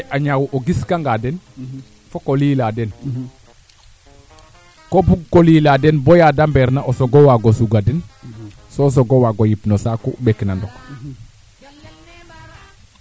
a qatin comme nan leyel fcomme formation ka nan nen a qatin kaa jofna no na kestax ndiing ana kestax ne ndiinga rok tel fo neete